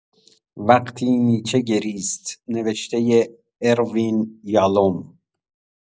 وقتی نیچه گریست نوشتۀ اروین یالوم